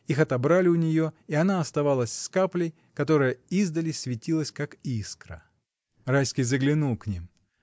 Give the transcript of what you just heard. Их отобрали у нее, и она оставалась с каплей, которая издали светилась, как искра. Райский заглянул к ним.